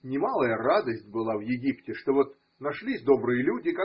не малая радость была в Египте, что, вот, нашлись добрые люди.